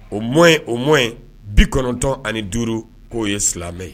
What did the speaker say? O mɔ o mɔ in bi kɔnɔntɔn ani duuru k'o ye silamɛmɛ ye